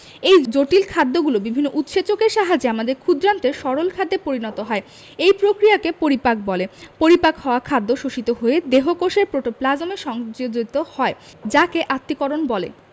এই জটিল খাদ্যগুলো বিভিন্ন উৎসেচকের সাহায্যে আমাদের ক্ষুদ্রান্তে সরল খাদ্যে পরিণত হয় এই প্রক্রিয়াকে পরিপাক বলে পরিপাক হওয়া খাদ্য শোষিত হয়ে দেহকোষের প্রোটোপ্লাজমে সংযোজিত হয় যাকে আত্তীকরণ বলে